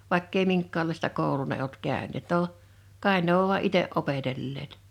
vaikka ei minkäänlaista koulua ne ollut käyneet no kai ne on vain itse opetelleet